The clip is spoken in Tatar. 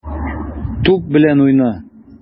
Туп белән уйна.